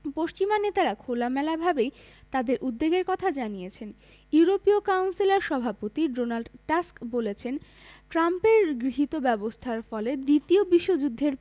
পশ্চিমা নেতারা খোলামেলাভাবেই তাঁদের উদ্বেগের কথা জানিয়েছেন ইউরোপীয় কাউন্সিলের সভাপতি ডোনাল্ড টাস্ক বলেছেন ট্রাম্পের গৃহীত ব্যবস্থার ফলে দ্বিতীয় বিশ্বযুদ্ধের